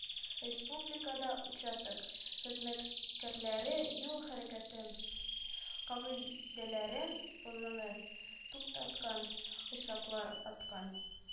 Республикада участок хезмәткәрләре юл хәрәкәте кагыйдәләрен бозуны туктаткан очраклар арткан